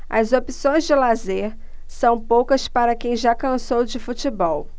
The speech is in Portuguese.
as opções de lazer são poucas para quem já cansou de futebol